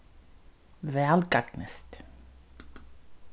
væl gagnist